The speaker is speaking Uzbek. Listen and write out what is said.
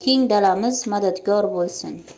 keng dalamiz madadkor bo'lsin